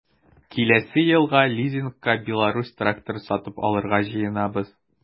Киләсе елга лизингка “Беларусь” тракторы сатып алырга җыенабыз.